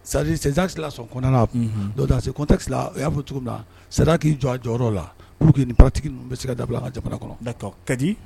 Sa sɔn kɔnɔna dɔse kɔnteti o y'a fɔ cogo na sa k'i jɔ a jɔyɔrɔ la p que patigiki bɛ se ka dabila ka jamana kɔnɔ kadi